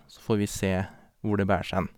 Så får vi se hvor det bærs hen.